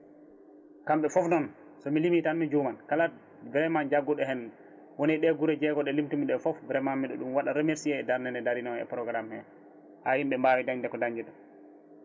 kamɓe foof noon somi limi ytan mi juuman kala vraiment jagguɗo hen woni ɗe guure jeegom ɗe limtumi ɗe foof vraiment miɗo ɗum waɗa remercier darde nde daarino e programme he ha yimɓe mbawi dañde ko dañi ɗo